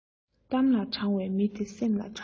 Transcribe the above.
གཏམ ལ དྲང བའི མི དེ སེམས ལ དྲང